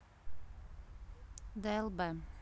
длб